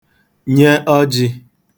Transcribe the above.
nye ọjị̄